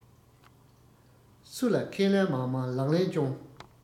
སུ ལ ཁས ལེན མ མང ལག ལེན སྐྱོངས